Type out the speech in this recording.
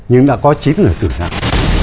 nhưng đã có chín người tử nạn